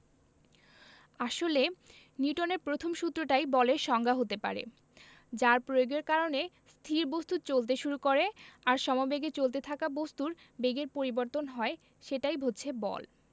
আসলে নিউটনের প্রথম সূত্রটাই বলের সংজ্ঞা হতে পারে যার প্রয়োগের কারণে স্থির বস্তু চলতে শুরু করে আর সমবেগে চলতে থাকা বস্তুর বেগের পরিবর্তন হয় সেটাই হচ্ছে বল